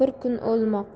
bir kun o'lmoq